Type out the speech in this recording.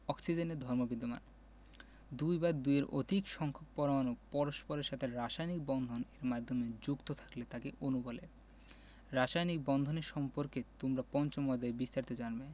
ধর্ম বিদ্যমান দুই বা দুইয়ের অধিক সংখ্যক পরমাণু পরস্পরের সাথে রাসায়নিক বন্ধন এর মাধ্যমে যুক্ত থাকলে তাকে অণু বলে রাসায়নিক বন্ধন সম্পর্কে তোমরা পঞ্চম অধ্যায়ে বিস্তারিত জানবে